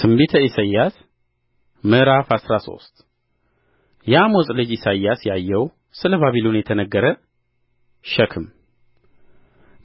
ትንቢተ ኢሳይያስ ምዕራፍ አስራ ሶስት የአሞጽ ልጅ ኢሳይያስ ያየው ስለ ባቢሎን የተንገረ ሸክም